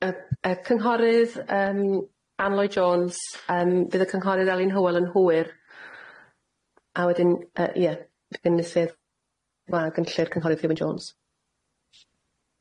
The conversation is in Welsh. Y y cynghorydd yym Ann Lloy Jones yym fydd y cynghorydd Elin Hywel yn hwyr a wedyn yy ia ysydd gwag yn lle'r cynghorydd Iwan Jones.